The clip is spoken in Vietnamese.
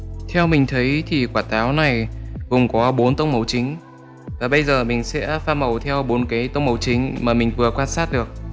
theo mình thấy thì quả táo này gồm có tông màu chính và bây giờ mình sẽ pha màu theo tông màu mà mình quan sát được và bây giờ mình sẽ pha màu theo tông màu mà mình quan sát được